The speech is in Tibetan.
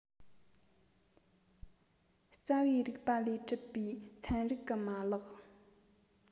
རྩ བའི རིགས པ ལས གྲུབ པའི ཚན རིག གི མ ལག